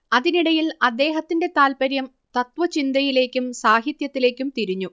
അതിനിടയിൽ അദ്ദേഹത്തിന്റെ താൽപര്യം തത്ത്വചിന്തയിലേക്കും സാഹിത്യത്തിലേക്കും തിരിഞ്ഞു